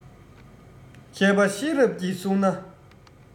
མཁས པ ཤེས རབ ཀྱིས བསྲུང ན